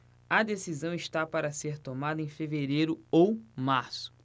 a decisão está para ser tomada em fevereiro ou março